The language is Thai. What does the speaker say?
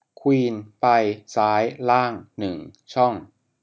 ควีนไปซ้ายล่างหนึ่งช่อง